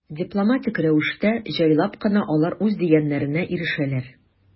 Дипломатик рәвештә, җайлап кына алар үз дигәннәренә ирешәләр.